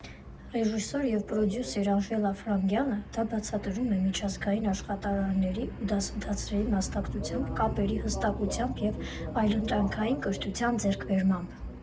Ռեժիսոր և պրոդյուսեր Անժելա Ֆրանգյանը դա բացատրում է միջազգային աշխատարանների ու դասընթացների մասնակցությամբ, կապերի հաստատմամբ և այլընտրանքային կրթության ձեռքբերմամբ։